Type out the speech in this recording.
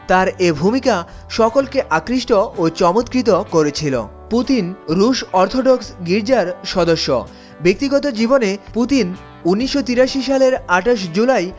এ ভূমিকা সকলকে আকৃষ্ট ও চমৎকৃত করেছিল পুতিন রুশ অর্থোডক্স গির্জার সদস্য ব্যক্তিগত জীবনে পুতিন ১৯৮৩ সালের ২৮ জুলাই